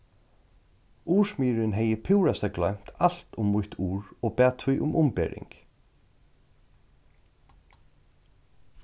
ursmiðurin hevði púrasta gloymt alt um mítt ur og bað tí um umbering